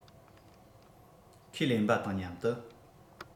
ཁོས ལེན པ དང མཉམ དུ